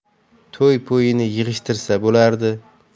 to'y po'yini yig'ishtirsa bo'lardi